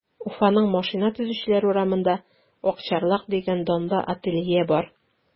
Уфаның Машина төзүчеләр урамында “Акчарлак” дигән данлы ателье бар.